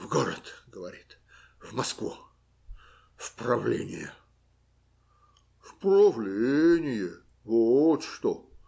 - В город, - говорит, - в Москву. в правление. - В правление. Вот что!